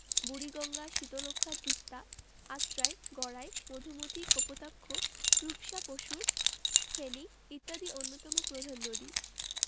বুড়িগঙ্গা শীতলক্ষ্যা তিস্তা আত্রাই গড়াই মধুমতি কপোতাক্ষ রূপসা পসুর ফেনী ইত্যাদি অন্যতম প্রধান নদী